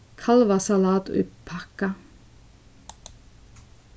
kalvasalat í pakka